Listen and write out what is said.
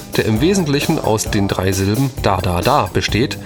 im Wesentlichen aus den drei Silben „ Da Da Da “besteht